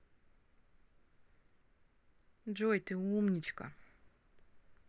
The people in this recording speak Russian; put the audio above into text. джой ты умничка